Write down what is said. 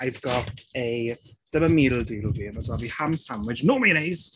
I've got a dyma meal deal fi. Mae 'da fi ham sandwich no mayonnaise!